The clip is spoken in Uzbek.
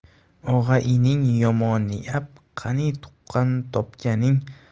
og'a ining yomoniab qani tuqqan